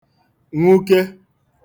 nwuke